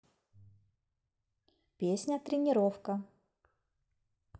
песня тренировка